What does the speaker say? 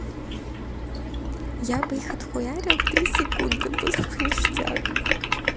я бы их отхуярил в три секунды было бы ништяк